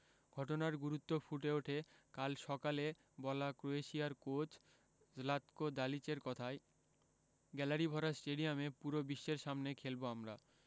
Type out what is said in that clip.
ঘটনার গুরুত্ব ফুটে ওঠে কাল সকালে বলা ক্রোয়েশিয়ার কোচ জ্লাতকো দালিচের কথায় গ্যালারিভরা স্টেডিয়ামে পুরো বিশ্বের সামনে খেলব আমরা